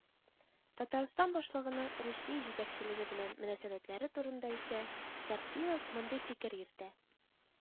Татарстан башлыгының Русия җитәкчелеге белән мөнәсәбәтләре турында исә Зартдинов мондый фикер йөртә